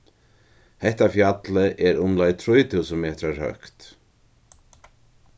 hetta fjallið er umleið trý túsund metrar høgt